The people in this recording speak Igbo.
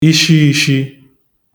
ishiishi